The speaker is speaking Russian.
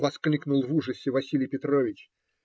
- воскликнул в ужасе Василий Петрович.